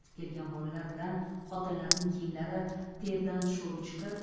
kelgan bolalar bilan xotinlarning kiyimlari terdan sho'ri chiqib